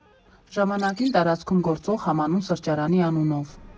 Ժամանակին տարածքում գործող համանուն սրճարանի անունով։